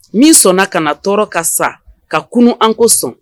Min sɔnna ka na tɔɔrɔ ka sa ka kunun an ko sɔn